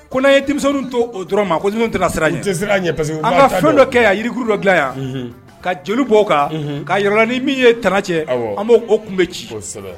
Ko ye denmisɛn to o dɔrɔn ma tɛna siran ɲɛ an ka fɛn dɔ kɛ yan yirikkuru dɔbila yan ka joli b'o kan ka yɔrɔla ni min yeana cɛ an b'o o kun bɛ ci